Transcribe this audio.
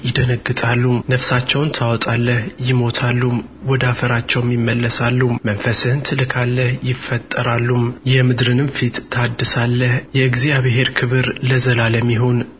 ይደነግጣሉ ነፍሳቸውን ታወጣለህ ይሞታሉም ወደ አፈራቸውም ይመለሳሉ መንፈስህን ትልካለህ ይፈጠራሉም የምድርንም ፊት ታድሳለህ እግዚአብሔር ክብር ለዘላለም ይሁን